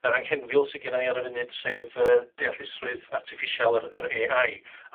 anghenfil sy gennyn ni ar y funud, sef yy deallusrwydd artiffisial, yr yr Ay I.